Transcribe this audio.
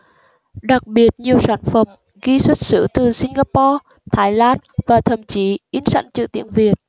đặc biệt nhiều sản phẩm ghi xuất xứ từ singapore thái lan và thậm chí in sẵn chữ tiếng việt